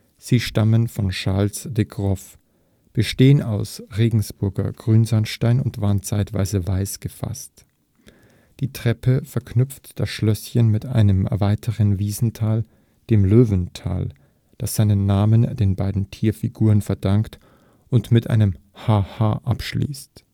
Sie stammen von Charles de Groff, bestehen aus Regensburger Grünsandstein und waren zeitweise weiß gefasst. Die Treppe verknüpft das Schlösschen mit einem weiten Wiesental, dem Löwental, das seinen Namen den beiden Tierfiguren verdankt und mit einem Ha-Ha abschließt